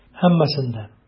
Һәммәсен дә.